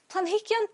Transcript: Planhigion